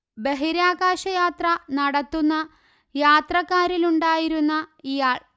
ബഹിരാകാശയാത്ര നടത്തുന്ന യാത്രക്കാരിലുണ്ടായിരുന്ന ഇയാൾ